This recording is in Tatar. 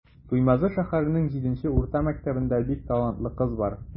Туймазы шәһәренең 7 нче урта мәктәбендә бик талантлы кыз бар.